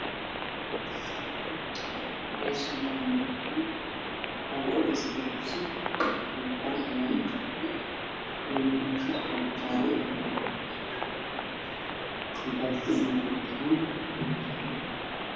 Meeshaan waa meel banaan ah oo laga dhisay guri cusub oo faraha laga qaaday kalarkiisu waa gaduud iyo jaalo. Albaabkuna waa cadaan.